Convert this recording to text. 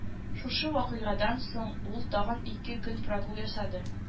Шушы вакыйгадан соң ул тагын ике көн прогул ясады